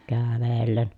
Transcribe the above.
kävellen